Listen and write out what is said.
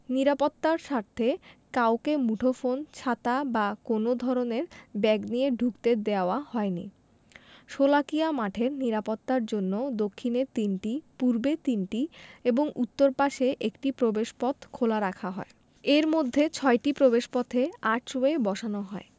নিরাপত্তার স্বার্থে কাউকে মুঠোফোন ছাতা বা কোনো ধরনের ব্যাগ নিয়ে ঢুকতে দেওয়া হয়নি শোলাকিয়া মাঠের নিরাপত্তার জন্য দক্ষিণে তিনটি পূর্বে তিনটি এবং উত্তর পাশে একটি প্রবেশপথ খোলা রাখা হয় এর মধ্যে ছয়টি প্রবেশপথে আর্চওয়ে বসানো হয়